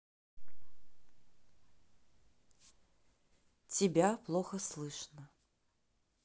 тебя плохо слышно